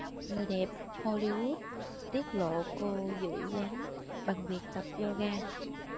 người đẹp hollywood tiết lộ cô giữ dáng bằng việc tập yoga